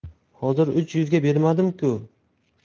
hozir uch yuzga bermadim ku